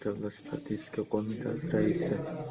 davlat statistika qo'mitasi raisi